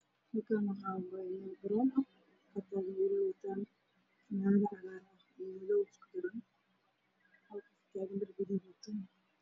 Halkaan waa garoon waxaa taagan wiilal wato fanaanado cagaar iyo madow iskugu jira, fanaanad gaduud iyo dahabi isku jiro.